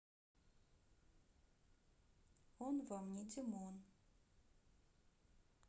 он вам не димон